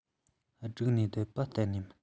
བསྒྲིགས ནས བསྡད པ གཏན ནས མིན